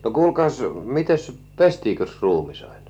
no kuulkaas mitenkäs pestiinkös ruumis aina